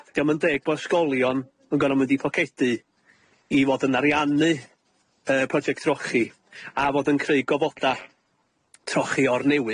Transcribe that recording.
'Dio'm yn deg bo' ysgolion yn gor'o' mynd i pocedu i fod yn ariannu yy project trochi, a fod yn creu gofoda' trochi o'r newydd